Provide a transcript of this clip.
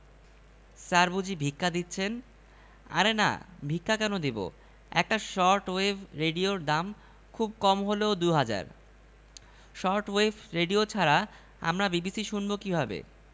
কেউ যেন বেজার না হয় টাকা দিতে হচ্ছে হাসিমুখে গায়ে মাথায় হাত বুলিয়ে টাকাও যে আদর করে দিতে হয় আগে জানতেন না